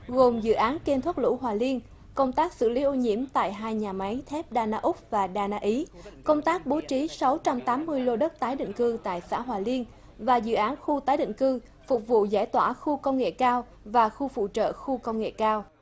gồm dự án kênh thoát lũ hòa liên công tác xử lý ô nhiễm tại hai nhà máy thép đa na úc và đa na ý công tác bố trí sáu trăm tám mươi lô đất tái định cư tại xã hòa liên và dự án khu tái định cư phục vụ giải tỏa khu công nghệ cao và khu phụ trợ khu công nghệ cao